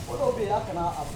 O dɔw' ka a